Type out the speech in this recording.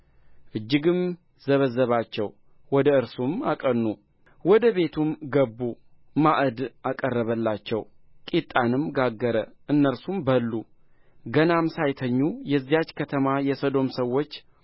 እጅግም ዘበዘባቸው ወደ እርሱም አቀኑ ወደ ቤቱም ገቡ ማዕድ አቀረበላቸው ቂጣንም ጋገረ እነርሱም በሉ ገናም ሳይተኙ የዚያች ከተማ የሰዶም ሰዎች